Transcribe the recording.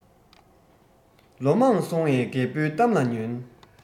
ལོ མང སོང བའི རྒད པོའི གཏམ ལ ཉོན